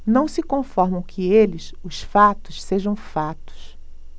não se conformam que eles os fatos sejam fatos